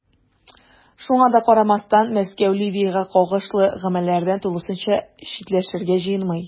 Шуңа да карамастан, Мәскәү Ливиягә кагылышлы гамәлләрдән тулысынча читләшергә җыенмый.